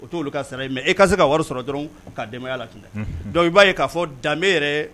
O t'olu ka sara e ka se ka wari sɔrɔ dɔrɔn kaa dɛmɛya la dɔ b'a ye k'a fɔ danbe yɛrɛ